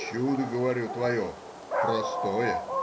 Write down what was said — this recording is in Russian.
— Чудо,— говорю,— твое простое.